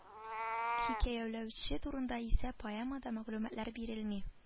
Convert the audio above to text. Хикәяләүче турында исә поэмада мәгълүматлар бирелми